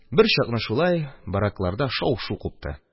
Берчакны шулай баракларда шау-шу купты